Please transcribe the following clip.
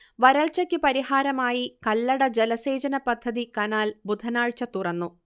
വരൾച്ചയ്ക്ക് പരിഹാരമായി കല്ലട ജലസേചനപദ്ധതി കനാൽ ബുധനാഴ്ച തുറന്നു